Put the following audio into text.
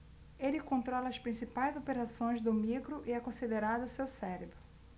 ele controla as principais operações do micro e é considerado seu cérebro